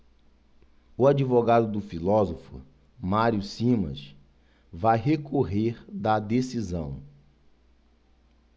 o advogado do filósofo mário simas vai recorrer da decisão